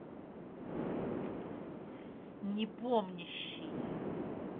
непомнящий